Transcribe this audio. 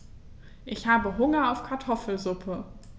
Ich habe Hunger auf Kartoffelsuppe.